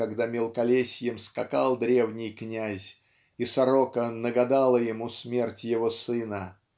когда мелколесьем скакал древний князь и сорока нагадала ему смерть его сына